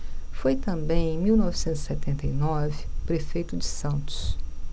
foi também em mil novecentos e setenta e nove prefeito de santos